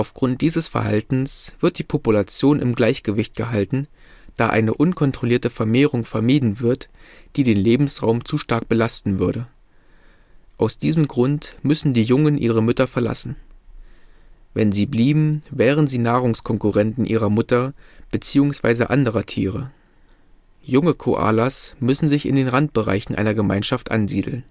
Grund dieses Verhaltens wird die Population im Gleichgewicht gehalten, da eine unkontrollierte Vermehrung vermieden wird, die den Lebensraum zu stark belasten würde. Aus diesem Grund müssen die Jungen ihre Mütter verlassen. Wenn sie blieben, wären sie Nahrungskonkurrenten ihrer Mutter beziehungsweise anderer Tiere. Junge Koalas müssen sich in den Randbereichen einer Gemeinschaft ansiedeln